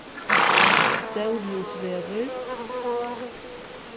stórhúsvegur